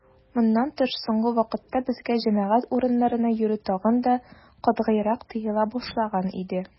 Моннан тыш, соңгы вакытта безгә җәмәгать урыннарына йөрү тагын да катгыйрак тыела башлаган иде.